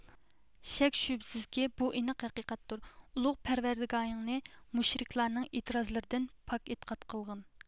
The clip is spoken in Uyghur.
شەك شۈبھىسىزكى بۇ ئېنىق ھەقىقەتتۇر ئۇلۇغ پەرۋەردىگارىڭنى مۇشرىكلارنىڭ ئېتىرازلىرىدىن پاك ئېتىقاد قىلغىن